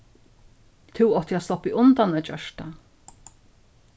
tú átti at sloppið undan at gjørt tað